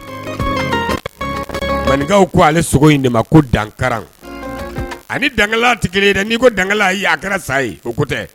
Bainkaw ko ale sogo in de ma ko dankaran ani dan ni ko dan y ye a kɛra sa ye ko tɛ